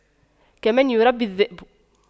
كمن يربي الذئب